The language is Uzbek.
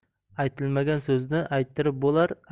aytilmagan so'zni ayttirib bo'lar